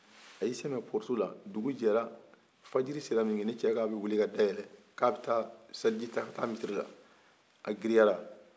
a yi sɛmɛ porte la dugu jɛra fajiri sera min kɛ ni ɲɛ k'a bi wili ka da yɛlɛ min kɛ k'a bi taa seliji ta min kɛ k'a bi taa misiri la a giriyara